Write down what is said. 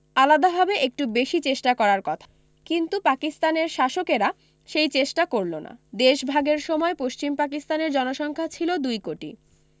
আলাদাভাবে একটু বেশি চেষ্টা করার কথা কিন্তু পাকিস্তানের শাসকেরা সেই চেষ্টা করল না দেশভাগের সময় পশ্চিম পাকিস্তানের জনসংখ্যা ছিল দুই কোটি